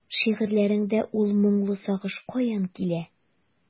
Шигырьләреңдәге ул моңлы сагыш каян килә?